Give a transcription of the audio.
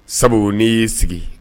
Sabu n' y'i sigi